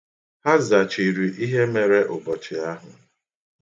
He zachiri ihe mere ụbọchị ahụ.